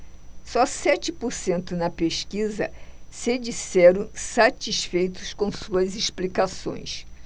só sete por cento na pesquisa se disseram satisfeitos com suas explicações